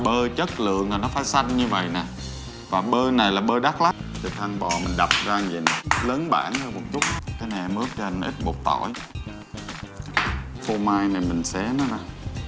bơ chất lượng là phải xanh như vậy nè còn bơ này là bơ đắc lắc thịt thăng bò mình đạp ra như vậy nè lớn bảng hơn một chút cái này em ướp cho anh một ít bột tỏi phô mai này mình xé nó ra